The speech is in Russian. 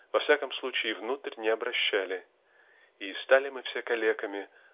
--во всяком случае внутрь не обращали и стали мы все калеками